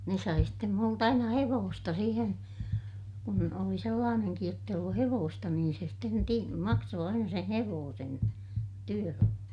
ne sai sitten minulta aina hevosta siihen kun oli sellainenkin jotta ei ollut hevosta niin se sitten - maksoi aina sen hevosen työllä